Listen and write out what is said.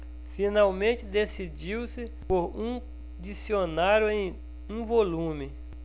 finalmente decidiu-se por um dicionário em um volume